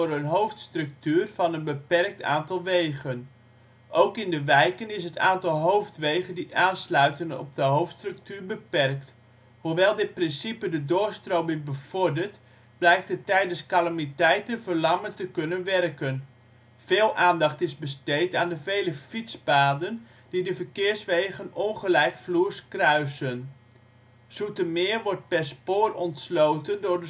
hoofdstructuur van een beperkt aantal wegen. Ook in de wijken is het aantal hoofdwegen die aansluiten op de hoofdstructuur beperkt. Hoewel dit principe de doorstroming bevordert blijkt het tijdens calamiteiten verlammend te kunnen werken. Veel aandacht is besteed aan de vele fietspaden die de verkeerswegen ongelijkvloers kruisen. Zoetermeer wordt per spoor ontsloten door